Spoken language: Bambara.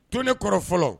To ne kɔrɔ fɔlɔ